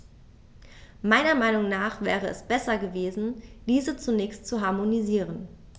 Meiner Meinung nach wäre es besser gewesen, diese zunächst zu harmonisieren.